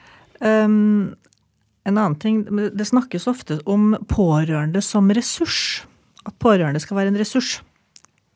en annen ting men det snakkes ofte om pårørende som ressurs at pårørende skal være en ressurs.